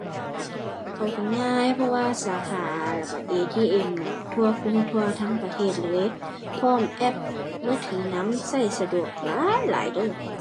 เข้าถึงง่าย เพราะว่าสาขาแล้วก็ ATM เนี่ยครอบคลุมทั่วทั้งประเทศเลย พร้อมแอปมือถือนำ ก็สะดวกหลายหลายเด้อ